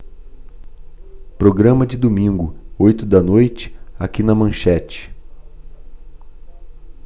programa de domingo oito da noite aqui na manchete